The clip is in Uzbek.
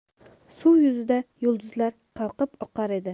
suv yuzida yulduzlar qalqib oqar edi